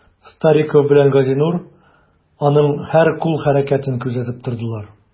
Стариков белән Газинур аның һәр кул хәрәкәтен күзәтеп тордылар.